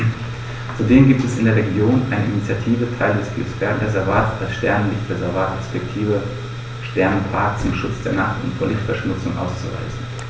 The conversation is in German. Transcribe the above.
Zudem gibt es in der Region eine Initiative, Teile des Biosphärenreservats als Sternenlicht-Reservat respektive Sternenpark zum Schutz der Nacht und vor Lichtverschmutzung auszuweisen.